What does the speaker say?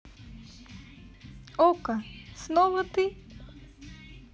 okko снова ты